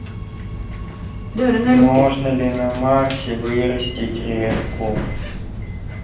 можно ли на марсе вырастить репку